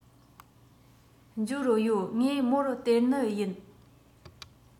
འབྱོར ཡོད ངས མོར སྟེར ནི ཡིན